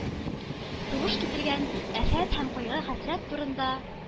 Сугыш китергән афәт һәм кайгы-хәсрәт турында